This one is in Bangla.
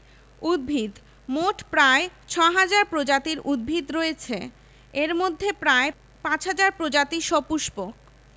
স্তন্যপায়ী প্রাণী ১১৩ প্রজাতির যার মধ্যে ভূ ভাগের ১১০ প্রজাতি ও সামুদ্রিক ৩ টি প্রজাতি